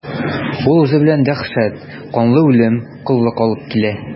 Ул үзе белән дәһшәт, канлы үлем, коллык алып килә.